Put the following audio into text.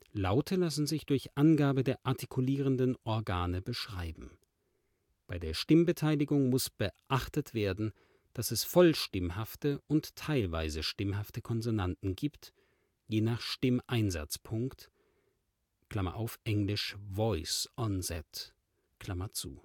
Laute lassen sich durch Angabe der artikulierenden Organe beschreiben. Bei der Stimmbeteiligung muss beachtet werden, dass es voll stimmhafte und teilweise stimmhafte Konsonanten gibt, je nach Stimmeinsatzpunkt (engl. » voice onset «